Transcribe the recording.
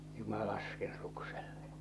juu minä lasken suksella